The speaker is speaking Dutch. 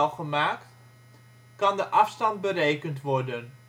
gemaakt), kan de afstand berekend worden